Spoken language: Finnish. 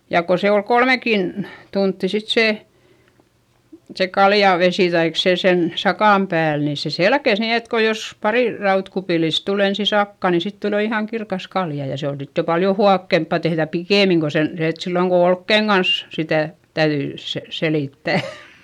ja kun se oli kolmekin tuntia sitten se se kaljavesi tai se sen sakan päällä niin se selkesi niin että kun jos pari rautakupillista tuli ensin sakkaa niin sitten tuli jo ihan kirkas kalja ja se on sitten jo paljon huokeampaa tehdä pikemmin kuin sen se että silloin kun olkien kanssa sitä täytyi - selittää